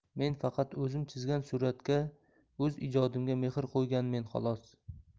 men faqat o'zim chizgan suratga o'z ijodimga mehr qo'yganmen xolos